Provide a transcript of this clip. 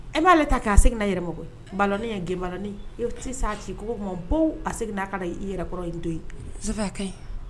E m'aale ta k'a seginna i yɛrɛmɔ koyi ballon nin e gen ballon nin iyop ti s'a ci kogo kuma bowu aa seginna kana i i yɛrɛ kɔrɔ yen doyi Sɔfɛ a kaɲi